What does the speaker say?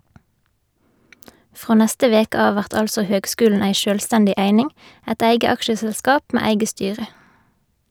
Frå neste veke av vert altså høgskulen ei sjølvstendig eining , eit eige aksjeselskap med eige styre.